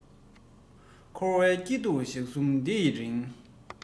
འཁོར བའི སྐྱིད སྡུག ཞག གསུམ འདི ཡི རིང